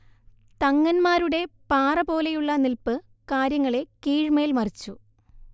തങ്ങൻമാരുടെ പാറപോലെയുള്ള നിൽപ്പ് കാര്യങ്ങളെ കീഴ്മേൽ മറിച്ചു